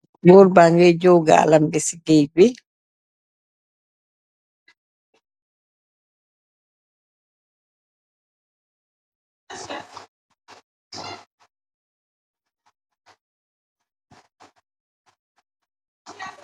Gór bangè jaw galam bi ci gééj ngi.